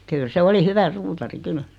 kyllä se oli hyvä suutari kyllä